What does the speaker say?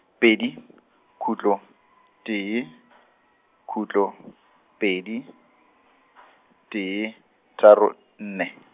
pedi, khutlo, tee , khutlo, pedi , tee, tharo, nne.